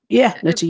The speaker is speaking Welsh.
Ie 'na ti